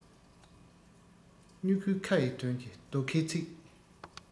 སྨྱུ གུའི ཁ ཡི དོན གྱི རྡོ ཁའི ཚིག